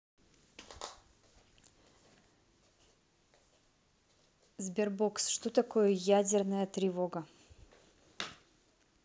sberbox что такое ядерная тревога